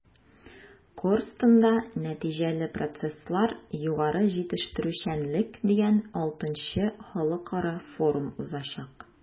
“корстон”да “нәтиҗәле процесслар-югары җитештерүчәнлек” дигән vι халыкара форум узачак.